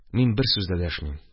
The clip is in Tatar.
Мин бер сүз дә дәшмим.